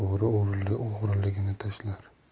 o'g'ri o'g'riligini tashlar